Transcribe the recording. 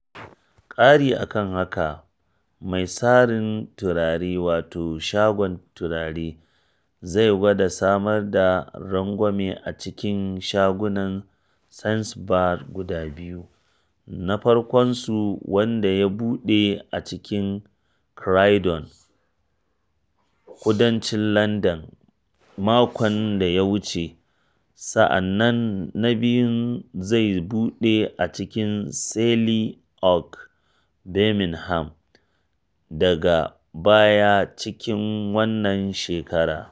Ƙari a kan haka, mai sarin turare wato Shagon Turare zai gwada samar da rangwame a cikin shagunan Sainsbury's guda biyu, na farkonsu wanda ya buɗe a cikin Croydon, kudancin Landan, makon da ya wuce sa’an nan na biyun zai buɗe a cikin Selly Oak, Birmingham, daga baya cikin wannan shekarar.